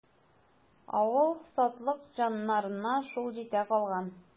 Авыл сатлыкҗаннарына шул җитә калган.